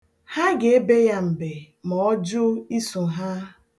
Ha ga-ebe ya mbe ma ọ jụ iso ha.